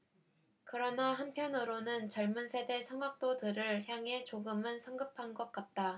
그러나 한편으로는 젊은 세대 성악도들을 향해 조금은 성급한 것 같다